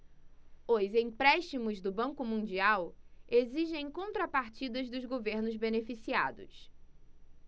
os empréstimos do banco mundial exigem contrapartidas dos governos beneficiados